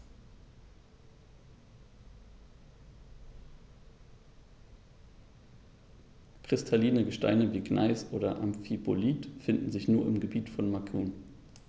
Kristalline Gesteine wie Gneis oder Amphibolit finden sich nur im Gebiet von Macun.